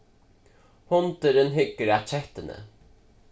hundurin hyggur at kettuni